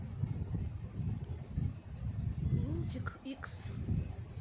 лунтик икс